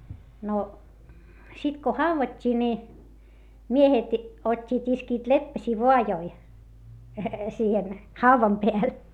no sitten kun haudattiin niin miehet ottivat iskivät leppäsiä vaajaan siihen haudan päälle